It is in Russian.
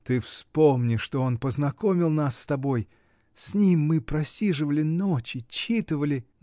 Ты вспомни, что он познакомил нас с тобой; с ним мы просиживали ночи, читывали.